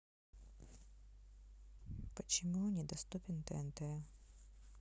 почему недоступен тнт